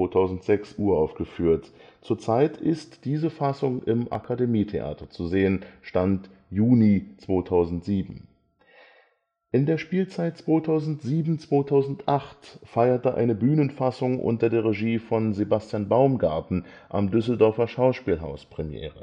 2006 uraufgeführt. Zurzeit ist diese Fassung im Akademietheater zu sehen. (Stand: Juni 2007) In der Spielzeit 2007/2008 feierte eine Bühnenfassung unter der Regie von Sebastian Baumgarten am Düsseldorfer Schauspielhaus Premiere